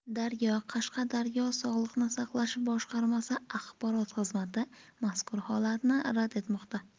daryo qashqadaryo sog'liqni saqlash boshqarmasi axborot xizmati mazkur holatni rad etmoqda